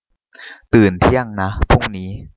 ตื่นเที่ยงนะพรุ่งนี้